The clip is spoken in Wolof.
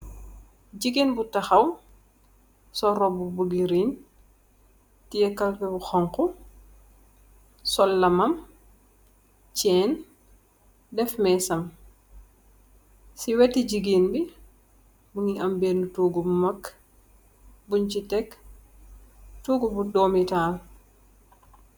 Jegain bu tahaw sol roubu bu green teyeh kalpeh bu hauhu sol lamam chin def mesam se weteh jegain be muge am bena toogu bu mak bunse tek toogu bu dometall.